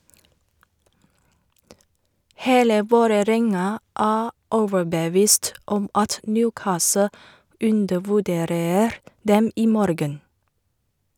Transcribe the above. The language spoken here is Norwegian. Hele Vålerenga er overbevist om at Newcastle undervurderer dem i morgen.